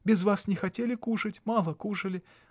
Без вас не хотели кушать, мало кушали.